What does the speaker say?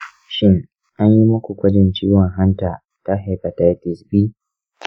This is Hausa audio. shin an yi muku gwajin ciwon hanta ta hepatitis b?